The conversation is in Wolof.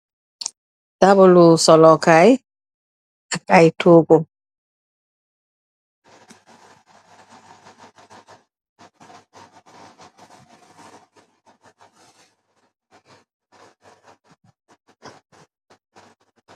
Table lu sollo kaye ak aye toogu